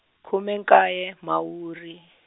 khume nkaye Mhawuri.